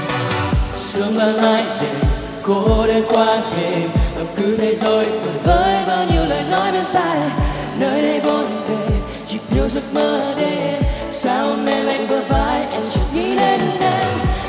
sương ban mai về cô đơn qua thềm hoặc cứ thấy rối bời với bao nhiêu lời nói bên tai nơi nay bộn bề chỉ thiếu giấc mơ đêm sao hôm nay lạnh bờ vai anh chợt nghĩ đến em